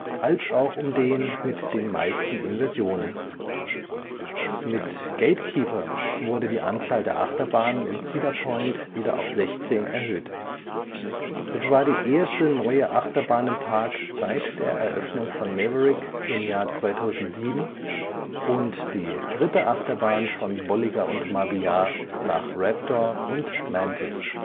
als auch um den mit den meisten Inversionen. Mit GateKeeper wurde die Anzahl der Achterbahnen in Cedar Point wieder auf 16 erhöht. Es war die erste neue Achterbahn im Park seit der Eröffnung von Maverick im Jahr 2007 und die dritte Achterbahn von Bolliger & Mabillard nach Raptor (1994) und Mantis